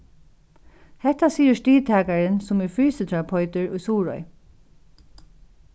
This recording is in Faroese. hetta sigur stigtakarin sum er fysioterapeutur í suðuroy